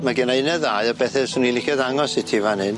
Ma' genna un neu ddau o bethe swn i'n licio ddangos i ti fan 'yn.